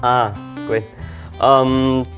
à quên ờm